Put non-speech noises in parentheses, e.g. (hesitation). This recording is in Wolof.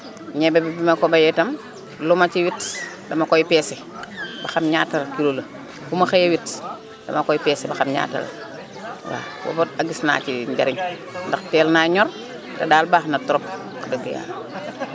énebe bi bi ma ko bayee itam (noise) lu ma ci witt dama koy peese (noise) ba xam ñaata kiló la (crosstalk) bu ma xëyee witt dama koy peese ba xam ñaata la waaw gis naa ci (hesitation) njariñ (crosstalk) ndax teel naa ñor te daal baax na trop wax dëgg yàlla (noise)